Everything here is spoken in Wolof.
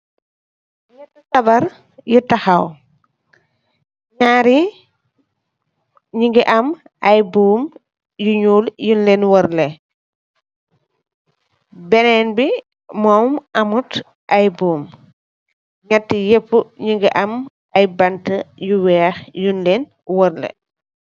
Nyate sabarr yu tahaw nyari muge am aye bomm yu njol yunlen werrle benen be mum amut aye bomm nyate nyepu nuge am bante yu weehe yunlen werrle.